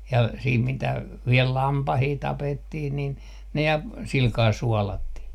ja sitten mitä vielä lampaita tapettiin niin ne ja sillä kalella suolattiin